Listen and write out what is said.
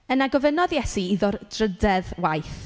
Yna gofynodd Iesu iddo'r dryddedd waith.